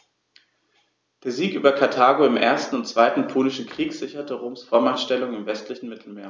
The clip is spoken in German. Der Sieg über Karthago im 1. und 2. Punischen Krieg sicherte Roms Vormachtstellung im westlichen Mittelmeer.